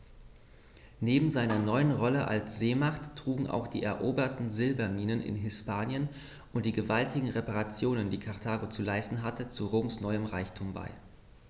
Neben seiner neuen Rolle als Seemacht trugen auch die eroberten Silberminen in Hispanien und die gewaltigen Reparationen, die Karthago zu leisten hatte, zu Roms neuem Reichtum bei.